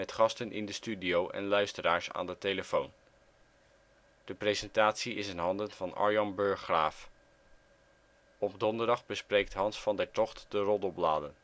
gasten in de studio en luisteraars aan de telefoon.De presentatie is in handen van Arjan Burggraaf.Op donderdag bespreekt Hans van der Togt de roddelbladen